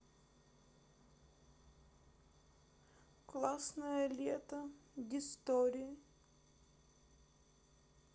классное лето дистори